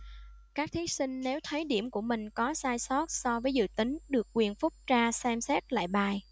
các thí sinh nếu thấy điểm của mình có sai sót so với dự tính được quyền phúc tra xem xét lại bài